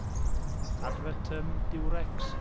Advert yym Durex?